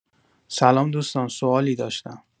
سلام دوستان، سوالی داشتم.